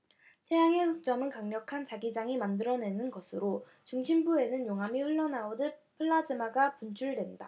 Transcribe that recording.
태양의 흑점은 강력한 자기장이 만들어내는 것으로 중심부에는 용암이 흘러나오듯 플라즈마가 분출된다